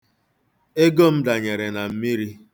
Ego m danyere na mmiri.